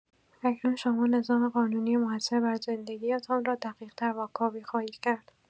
اکنون شما نظام قانونی موثر بر زندگی‌تان را دقیق‌تر واکاوی خواهید کرد.